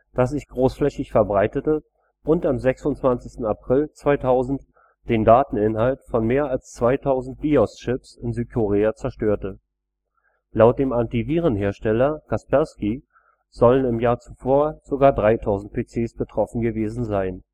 das sich großflächig verbreitete und am 26. April 2000 den Dateninhalt von mehr als 2000 BIOS-Chips in Südkorea zerstörte. Laut dem Antivirenhersteller Kaspersky sollen im Jahr davor sogar 3000 PCs betroffen gewesen sein